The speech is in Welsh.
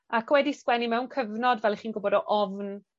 Ac wedi sgwennu mewn cyfnod fel 'ych chi'n gwbod o ofn